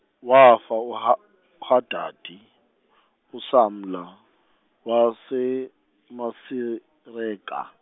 wafa uha- -Hadadi, uSamla, waseMasireka.